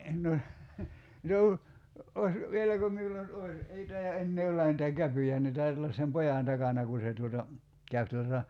no olisi vieläkö minulla nyt olisi ei taida enää olla niitä käpyjä ne taitaa olla sen pojan takana kun se tuota käy tuota